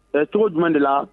Ɛ cogo jumɛn de la